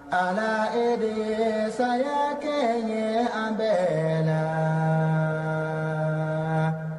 Ala e de saya kɛɲɛ an bɛɛ la